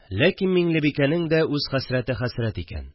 Ләкин Миңлебикәнең дә үз хәсрәте хәсрәт икән